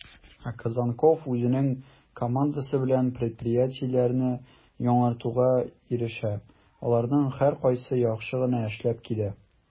Козонков үзенең командасы белән предприятиеләрне яңартуга ирешә, аларның һәркайсы яхшы гына эшләп килә: